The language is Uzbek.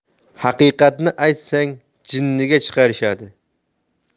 haqiqatni aytsang jinniga chiqarishadi